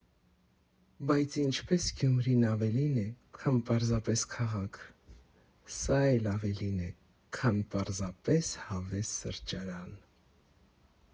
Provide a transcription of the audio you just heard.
Բայց ինչպես Գյումրին ավելին է, քան պարզապես քաղաք, սա էլ ավելին է, քան պարզապես հավես սրճարան.